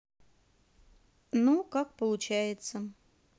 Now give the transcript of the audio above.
ну как получается